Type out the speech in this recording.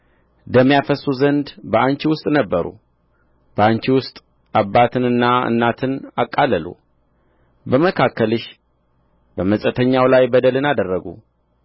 ደም ያፈስሱ ዘንድ በአንቺ ውስጥ ነበሩ በአንቺ ውስጥ አባትንና እናትን አቃለሉ በመካከልሽ በመጻተኛው ላይ በደልን አደረጉ